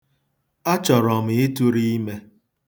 Achọrọ m ịtụrụ ime.